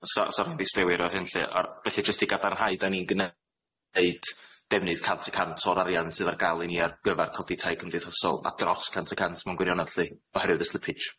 So 'sa ar hyn lly felly jyst i gadarnhau 'dan ni'n gneud defnydd cant y cant o'r arian sydd ar ga'l i ni ar gyfar codi tai cymdeithasol a dros cant y cant mewn gwirionedd lly oherwydd y slippage?